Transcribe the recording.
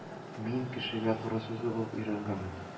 Мин кешегә туры сүзле булып өйрәнгәнмен.